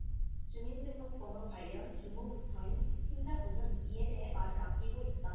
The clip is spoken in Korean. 주민등록번호 관련 주무 부처인 행자부는 이에 대해 말을 아끼고 있다